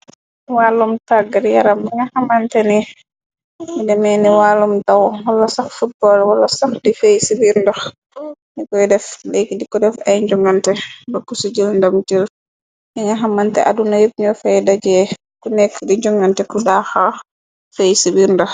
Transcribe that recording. Wallum tàggat yaram nga xamante ni i demee ni wàllum daw wala sax futbool wala sax di feey ci biir ndox ni koy def leegi di ko def ay njongante ba kuci jël ndam jër yi ña xamante adduna yepp ñu fey dajee ku nekk di jongante ku daaxa fey ci biir ndox.